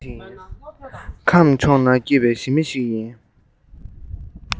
ཁམས ཕྱོགས ན སྐྱེས པའི ཞི མི ཞིག ཡིན